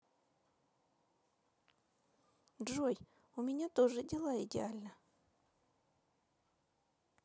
джой у меня тоже дела идеально